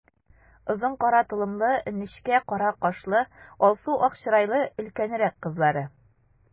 Озын кара толымлы, нечкә кара кашлы, алсу-ак чырайлы өлкәнрәк кызлары.